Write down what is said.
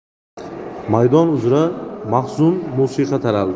maydon uzra mahzun musiqa taraladi